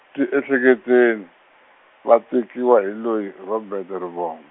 tiehleketeni, va tekiwa hi loyi Robert Rivomb-.